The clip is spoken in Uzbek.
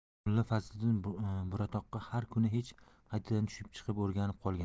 mulla fazliddin buratoqqa har kuni necha qaytadan tushib chiqib o'rganib qolgan